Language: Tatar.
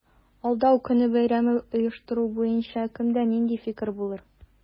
Алдау көне бәйрәмен оештыру буенча кемдә нинди фикер булыр?